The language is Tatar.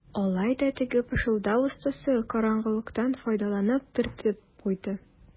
Алай да теге пышылдау остасы караңгылыктан файдаланып төрттереп куйды.